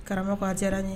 Karamɔgɔ a diyara n ye